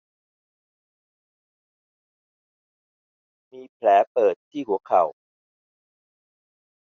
มีแผลเปิดที่หัวเข่า